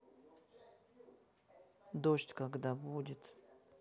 дождь когда будет